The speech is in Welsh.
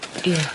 Ie.